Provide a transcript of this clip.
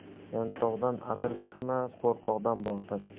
yantoqdan atir chiqmas qo'rqoqdan botir